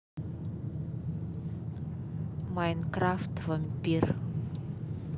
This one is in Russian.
майнкрафт вампир